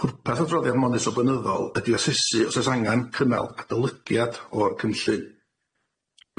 Pwrpas adroddiad monitro bynyddol ydi asesu os o's angan cynnal adolygiad o'r cynllun.